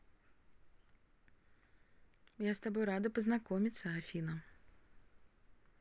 я с тобой рада познакомиться афина